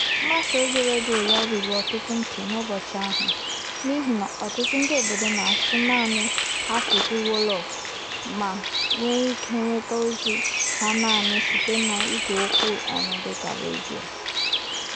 Mgbasaozi redio ya ruru ọtụtụ ntị n'ụbọchị ahụ, n'ihi na ọtụtụ ndị obodo na-asụ naanị asụsụ Wolof ma nwee ike nweta ozi ha naanị site na ígwèokwu ọnụ dịka redio.